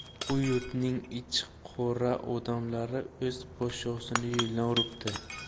u yurtning ichiqora odamlari o'z podshosini yo'ldan uribdi